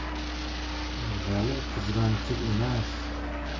vali qizg'anchiq emas